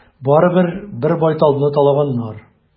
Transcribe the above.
Барыбер, бер байталны талаганнар.